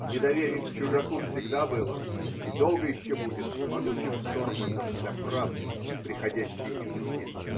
Недоверие к чужаку всегда было и долго еще будет могучим тормозом для правды, приходящей извне.